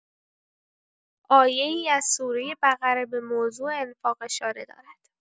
آیه‌ای از سوره بقره به موضوع انفاق اشاره دارد.